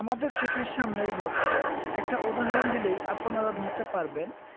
আমাদের চোখের সামনেই ঘটছে একটা উদাহরণ দিসেই আপনারা ধরতে পারবেন